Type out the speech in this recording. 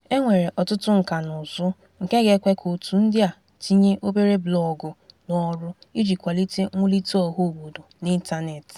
E nwere ọtụtụ nkànaụzụ nke ga-ekwe ka òtù ndị a tinye obere blọọgụ n'ọrụ iji kwalite mwulite ọhaobodo n'ịntanetị